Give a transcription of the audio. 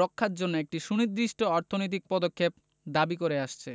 রক্ষার জন্য একটি সুনির্দিষ্ট অর্থনৈতিক পদক্ষেপ দাবি করে আসছে